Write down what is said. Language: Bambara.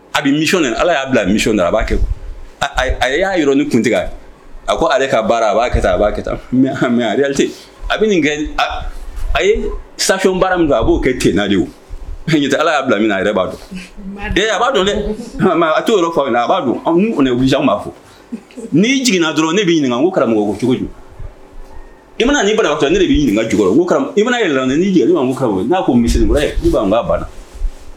A bɛ misi ala y'a bila misi a b'a kɛ a y'a yɔrɔ ni kuntigi a ko ale ka baara a b'a kɛ a'a hamite a bɛ nin kɛ a ye sa baara min kan a b'o kɛ tenna de ala y'a min a yɛrɛ b'a dɔn ee a b'a dɔn dɛ a to yɔrɔ faamuya a b'a an kɔni'a fo ni'i jiginigna dɔrɔn ne b bɛ ɲininka ko karamɔgɔ cogoju i mana nin bara ta ne de bɛ' ɲininka cogo i mana la n' jeli ma n'a ko misikɔrɔ ye b'a banna